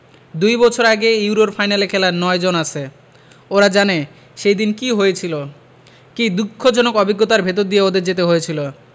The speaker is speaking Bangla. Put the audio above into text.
দুই বছর আগে ইউরোর ফাইনালে খেলা ৯ জন আছে ওরা জানে সেদিন কী হয়েছিল কী দুঃখজনক অভিজ্ঞতার ভেতর দিয়ে ওদের যেতে হয়েছিল